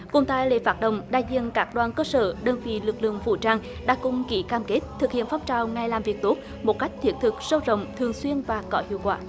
cũng tại lễ phát động đại diện các đoàn cơ sở đơn vị lực lượng vũ trang đã cùng ký cam kết thực hiện phong trào ngày làm việc tốt một cách thiết thực sâu rộng thường xuyên và có hiệu quả